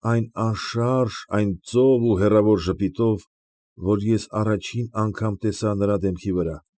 Այն անշարժ, այն ծով ու հեռավոր ժպիտով, որ ես առաջին անգամ տեսա նրա դեմքի վրա։